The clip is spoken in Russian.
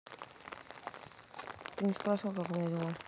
ты не спросил как у меня дела